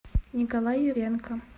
николай юренко